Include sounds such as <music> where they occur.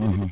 <hesitation> <hesitation>